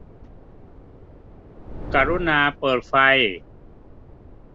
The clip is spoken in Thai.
กรุณาเปิดไฟ